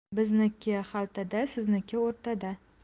bizniki xaltada sizniki o'rtada